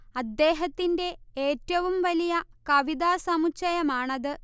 അദ്ദേഹത്തിന്റെ ഏറ്റവും വലിയ കവിതാ സമുച്ചയമാണത്